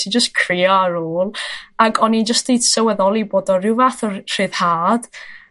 i jyst crio ar ôl ac o'n i'n jyst 'di sylweddoli bod o rhyw fath o ry- rhyddhad